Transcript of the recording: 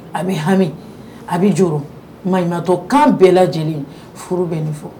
A bɛ hami a bɛ jɔyɔrɔ matɔ kan bɛɛ lajɛlen furu bɛ nin fɔ